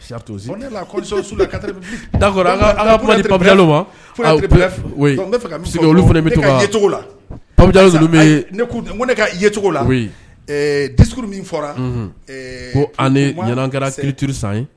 Ne la di fɔra ko ɲ kɛratiriuru san ye